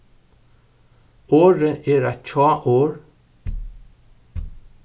orðið er eitt hjáorð